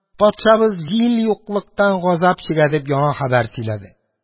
Патшабыз җил юклыктан газап чигә», – дип, яңа хәбәр сөйләде.